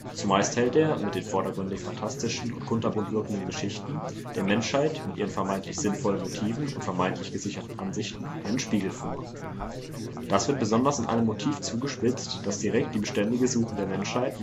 Zumeist hält er mit den vordergründig fantastischen und kunterbunt wirkenden Geschichten der Menschheit mit ihren vermeintlich sinnvollen Motiven und vermeintlich gesicherten Ansichten einen Spiegel vor. Das wird besonders in einem Motiv zugespitzt, das ganz direkt die beständige Suche der Menschen